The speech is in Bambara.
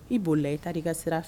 I boli la i taara i ka sira